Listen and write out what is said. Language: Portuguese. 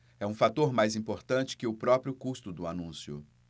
é um fator mais importante que o próprio custo do anúncio